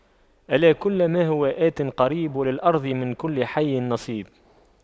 ألا كل ما هو آت قريب وللأرض من كل حي نصيب